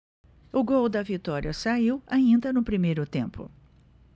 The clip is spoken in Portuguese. o gol da vitória saiu ainda no primeiro tempo